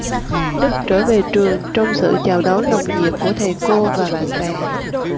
đức trở về trường trong sự chào đón nồng nhiệt của thầy cô và bạn bè